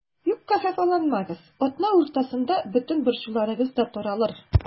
Юкка хафаланмагыз, атна уртасында бөтен борчуларыгыз да таралыр.